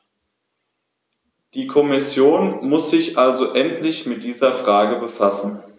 Die Kommission muss sich also endlich mit dieser Frage befassen.